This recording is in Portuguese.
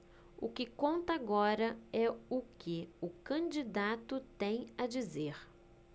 o que conta agora é o que o candidato tem a dizer